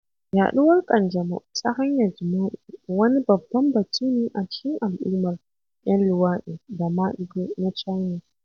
Yaɗuwar ƙanjamau ta hanyar jima'i wani babban batu ne a cikin al'ummar 'yan luwaɗi da maɗigo na China.